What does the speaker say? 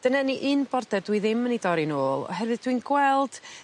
dyna ni un border dwi ddim yn 'i dorri nôl oherwydd dwi'n gweld